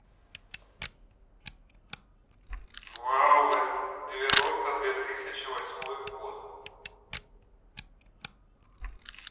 wolves девяносто две тысячи восьмой год